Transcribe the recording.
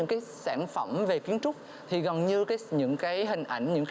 các sản phẩm về kiến trúc thì gần như những cái hình ảnh những